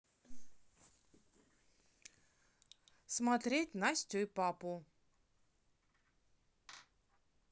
смотреть настю и папу